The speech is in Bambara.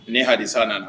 Ni hadisa nana